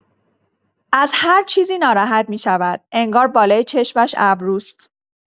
از هر چیزی ناراحت می‌شود، انگار بالای چشمش ابروست!